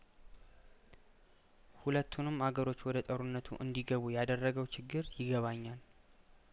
ሁለቱን አገሮች ወደ ጦርነት እንዲ ገቡ ያደረገው ችግር ይገባኛል